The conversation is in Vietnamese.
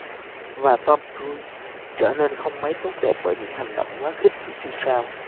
và tom cruise trở nên không mấy tốt đẹp bởi những hành động quá khích của siêu sao